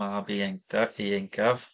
Mab ieuencta- ieuencaf.